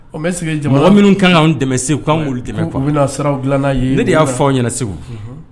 Minnu kan anw dɛmɛ k' ne de y'a fɔanw ɲɛna segu